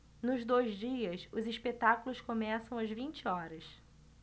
nos dois dias os espetáculos começam às vinte horas